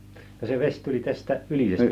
no se vesi tuli tästä Ylisestä